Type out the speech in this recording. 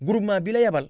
groupement bi la yebal